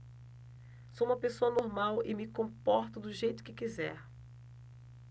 sou homossexual e me comporto do jeito que quiser